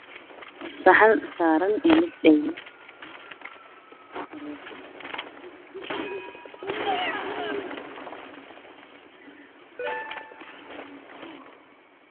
Saxan saaran hilib eri